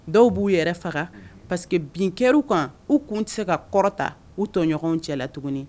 Dɔw b'u yɛrɛ faga paseke bin kɛ u kan u kun tɛ se ka kɔrɔta u tɔɲɔgɔnw cɛla la tuguni